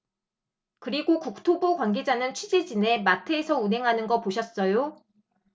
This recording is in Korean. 그리고 국토부 관계자는 취재진에 마트에서 운행하는 거 보셨어요